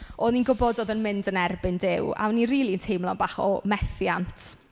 O'n i'n gwbod oedd e'n mynd yn erbyn Duw, a o'n i'n rili'n teimlo'n bach o methiant.